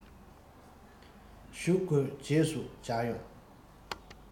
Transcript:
བཞུགས དགོས རྗེས སུ མཇལ ཡོང